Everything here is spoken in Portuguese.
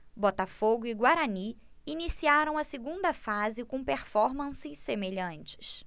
botafogo e guarani iniciaram a segunda fase com performances semelhantes